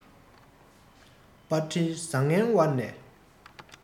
པར འཕྲིན བཟང ངན དབར ནས